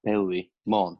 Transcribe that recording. capeli Môn